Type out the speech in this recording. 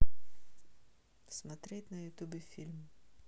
смотреть на ютубе фильм